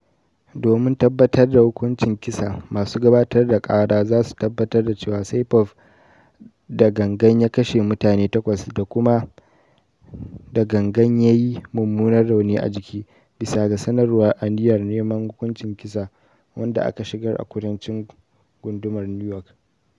"Domin tabbatar da hukuncin kisa, masu gabatar da kara za su tabbatar da cewa Saipov "da gangan" ya kashe mutane takwas da kuma "da gangan"" ya yi mummunan rauni a jiki, bisa ga sanarwar aniyar neman hukuncin kisa, wanda aka shigar a Kudancin gundumar New York."